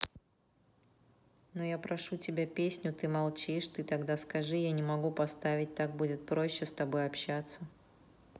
но я прошу тебя песню ты молчишь ты тогда скажи я не могу поставить так будет проще с тобой общаться